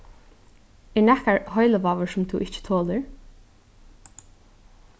er nakar heilivágur sum tú ikki tolir